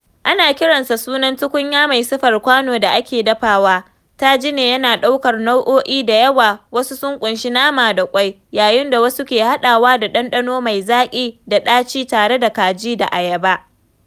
Ana kiransa sunan tukunya mai siffar kwano da ake dafawa, tajine yana ɗaukar nau'o'i da yawa; wasu sun ƙunshi nama da ƙwai, yayin da wasu ke haɗawa da ɗanɗano mai zaƙi da ɗaci tare da kaji da ayaba.